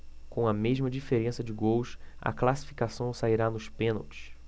com a mesma diferença de gols a classificação sairá nos pênaltis